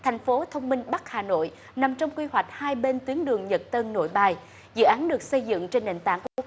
thành phố thông minh bắc hà nội nằm trong quy hoạch hai bên tuyến đường nhật tân nội bài dự án được xây dựng trên nền tảng